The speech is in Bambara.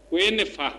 O ye ne faa